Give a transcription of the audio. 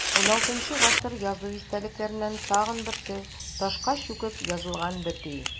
ХIV гасыр язу истәлекләреннән тагын берсе – ташка чүкеп язылган бөти.